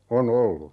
on ollut